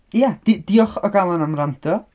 Ie! D- diolch o galon am wrando.